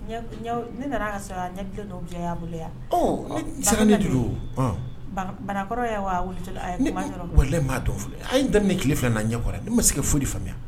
Ne nana ka sɔrɔ ɲɛjɛ y'a bolo yan ne banakɔrɔ maa dɔn filɛ a ye den ni ki filɛ na ɲɛ ne ma se foyi de faamuya